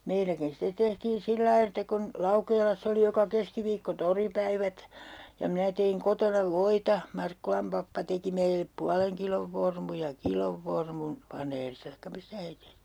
meilläkin sitten tehtiin sillä lailla että kun Laukeelassa oli joka keskiviikko toripäivät ja minä tein kotona voita Markkulan pappa teki meille puolen kilon vormun ja kilon vormun vanerista tai mistä he tehtiin